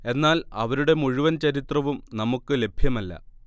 എന്നാൽ അവരുടെ മുഴുവൻ ചരിത്രവും നമുക്ക് ലഭ്യമല്ല